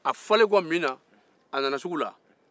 a falen kɔ min na a nana sugu la